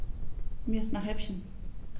Mir ist nach Häppchen.